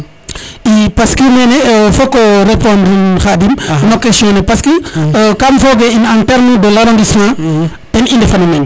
i parce que mene foko o repondre Khadim no question ne parce que kam foge en terme de l' arrondissement ten i ndefa nu meen